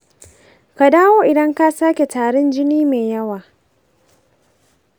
ka dawo idan ka sake tarin jini mai yawa.